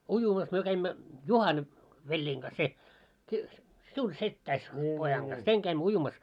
uimassa me kävimme Juhan veljeni kanssa se - sinun setäsi pojan kanssa sen kävimme uimassa